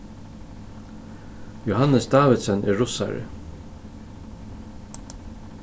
johannes davidsen er russari